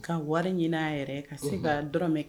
Ka wari ɲini a yɛrɛ ka se ka dmɛ kɛ